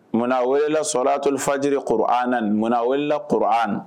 Munna a welela souratoul fadjiri courou aanane munna a welela courou aane